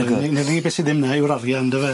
'Nar unig na'r unig be' sy ddim 'na yw'r arian dyfe?